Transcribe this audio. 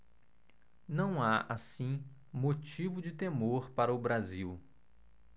não há assim motivo de temor para o brasil